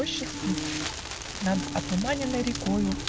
Роща спит Над отуманенной рекою